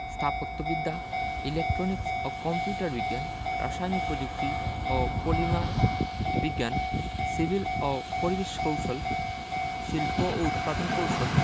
স্থাপত্যবিদ্যা ইলেকট্রনিক্স ও কম্পিউটার বিজ্ঞান রাসায়নিক পযুক্তি ও পলিমার বিজ্ঞান সিভিল ও পরিবেশ কৌশল শিল্প ও উৎপাদন কৌশল